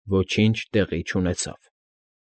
Ոչինչ տեղի չունեցավ։